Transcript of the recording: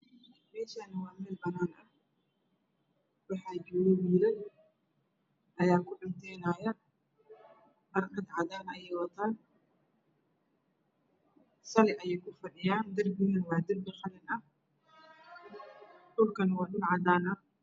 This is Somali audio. Meeshaani waa meel banaan ah waxaa jooga wiilal ayaa ku cunteenaaya qaar dhar cadaana ayeey wataan sali ayeey ku fadhiyaan darbiga waa darbi qalin ah dhulkana waa dhul cadaan ah